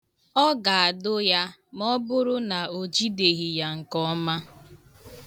Ọ ga-adụ ya ma ọ bụrụ na o jideghi ya nke ọma.